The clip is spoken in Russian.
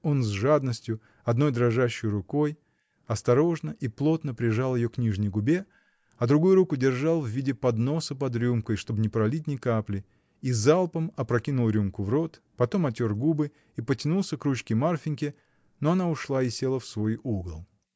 Он, с жадностью, одной дрожащей рукой, осторожно и плотно прижал ее к нижней губе, а другую руку держал в виде подноса под рюмкой, чтоб не пролить ни капли, и залпом опрокинул рюмку в рот, потом отер губы и потянулся к ручке Марфиньки, но она ушла и села в свой угол.